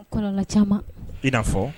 Kɔrɔ caman ia fɔ